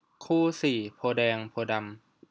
คู่สี่โพธิ์แดงโพธิ์ดำ